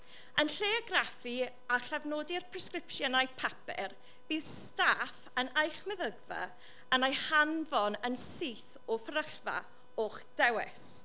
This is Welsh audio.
Yn lle argraffu a llofnodi'r presgripsiynau papur bydd staff yn eich meddygfa yn eu hanfon yn syth o fferyllfa o'ch dewis.